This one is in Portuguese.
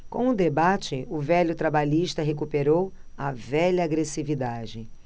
com o debate o velho trabalhista recuperou a velha agressividade